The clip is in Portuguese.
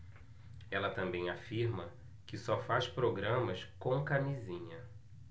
ela também afirma que só faz programas com camisinha